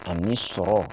A ni sɔrɔ